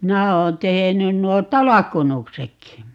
minä olen tehnyt nuo talkkunuksetkin